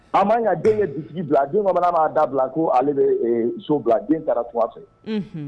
An' ka den dusu bila den bamanan b'a da bila k ko' ale bɛ so bila den taarara tun fɛ